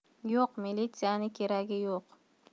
yo'q milisaning keragi yo'q